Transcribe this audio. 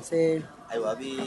Nse ayiwa bi